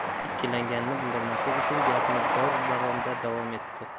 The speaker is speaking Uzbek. ikkilanganini bildirmaslik uchun gapini bir maromda davom etdi